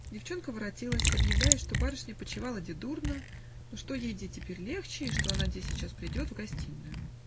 Девчонка воротилась, объявляя, что барышня почивала-де дурно, но что ей-де теперь легче и что она-де сейчас придет в гостиную.